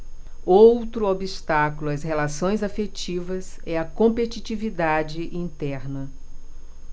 outro obstáculo às relações afetivas é a competitividade interna